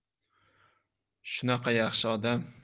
shunaqa yaxshi odam